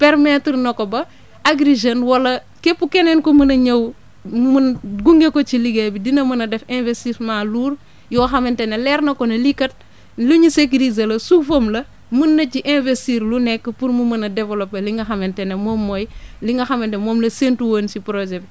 permettre na ko ba Agri Jeunes wala képp keneen ku mën a ñëw mun gunge ko ci liggéey bi dina mën a def investissement lourd yoo xamante ne leer na ko ne lii kat lu ñu sécuriser la suufam la mun na ci investir lu nekk pour mu mën a développé li nga xamante ne moom mooy li nga xamante ne moom la séntu woon si projet bi